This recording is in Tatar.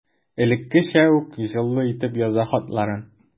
Элеккечә үк җылы итеп яза хатларын.